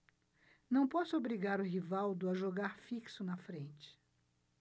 não posso obrigar o rivaldo a jogar fixo na frente